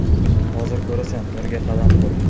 hozir ko'rasan nurga qadam qo'y